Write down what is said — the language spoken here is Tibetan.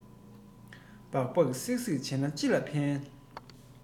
སྦག སྦག གསིག གསིག བྱས པས ཅི ལ ཕན